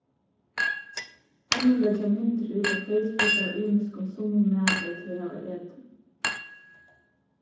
onnur leggja myndir út á facebook av ymiskum sunnum mati tey hava etið